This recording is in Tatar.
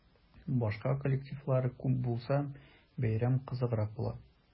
Башка коллективлар күп булса, бәйрәм кызыграк була.